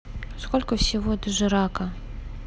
сколько всего дожирака